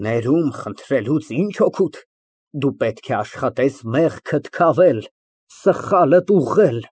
Ներումն խնդրելուց ի՞նչ օգուտ, դու պետք է աշխատես մեղքդ քավել, սխալդ ուղղել։